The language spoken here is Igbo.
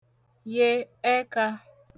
ye ẹkā